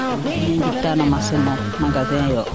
ine njikta no marché moom magazin yoo